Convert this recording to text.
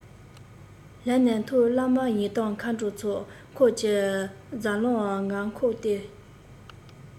ལར ནས མཐོ བླ མ ཡི དམ མཁའ འགྲོའི ཚོགས འཁོར གྱི རྫས ལའང ང འཁོར སྟེ